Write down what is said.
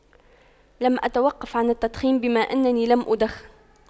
لم أتوقف عن التدخين بما أنني لم أدخن